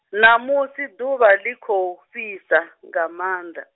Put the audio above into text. ṋamusi ḓuvha ḽi khou fhisa, nga manda.